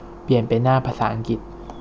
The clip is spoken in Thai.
เปลี่ยนเป็นหน้าภาษาอังกฤษ